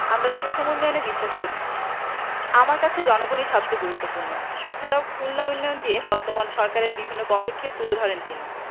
আমরা সুষম উন্নয়নে বিশ্বাস করি আমার কাছে জনগণই সবচেয়ে গুরুত্বপূর্ণ এছাড়াও খুলনার উন্নয়ন নিয়ে বত্যমান সরকারের বিভিন্ন পদক্ষেপ তুলে ধরেন তিনি